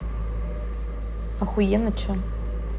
охуенно че